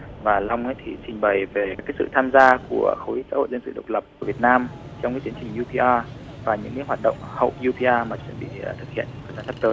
và long á thì trình bày về các cái sự tham gia của khối xã hội dân sự độc lập của việt nam trong cái tiến trình iu phi a và những cái hoạt động hậu iu pi a mà chuẩn bị thực hiện thời gian sắp tới